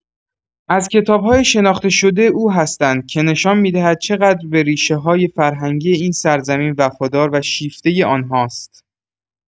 از کتاب‌های شناخته‌شده او هستند که نشان می‌دهند چقدر به ریشه‌های فرهنگی این سرزمین وفادار و شیفته آنهاست.